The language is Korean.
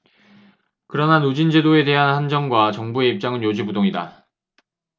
그러나 누진제도에 대한 한전과 정부의 입장은 요지부동이다